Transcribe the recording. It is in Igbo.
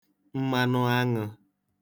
mmanụ aṅụ̄